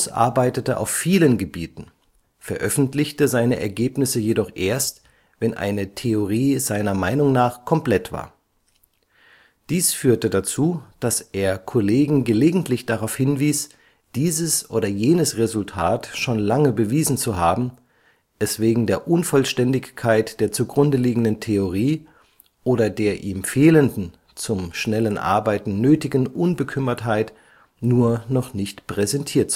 arbeitete auf vielen Gebieten, veröffentlichte seine Ergebnisse jedoch erst, wenn eine Theorie seiner Meinung nach komplett war. Dies führte dazu, dass er Kollegen gelegentlich darauf hinwies, dieses oder jenes Resultat schon lange bewiesen zu haben, es wegen der Unvollständigkeit der zugrundeliegenden Theorie oder der ihm fehlenden, zum schnellen Arbeiten nötigen Unbekümmertheit nur noch nicht präsentiert